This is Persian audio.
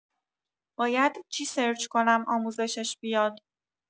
باید چی سرچ کنم آموزشش بیاد